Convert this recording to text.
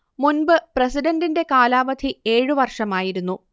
മുൻപ് പ്രസിഡന്റിന്റെ കാലാവധി ഏഴ് വർഷമായിരുന്നു